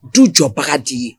Du jɔbaga d'i ye